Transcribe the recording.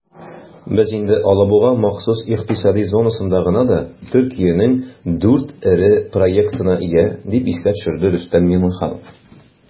"без инде алабуга махсус икътисади зонасында гына да төркиянең 4 эре проектына ия", - дип искә төшерде рөстәм миңнеханов.